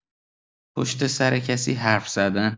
پشت‌سر کسی حرف‌زدن